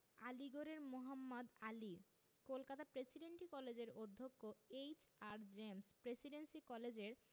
আলীগড়ের Mohammad Ali Kolkata presidency কলেজের অধ্যক্ষ H R James presidency কলেজের